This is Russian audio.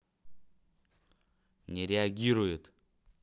не реагирует